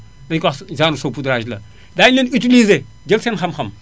nañu ko wax genre saupoudrage la daañu leen utilisé jël seen xam-xam